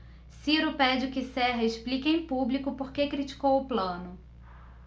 ciro pede que serra explique em público por que criticou plano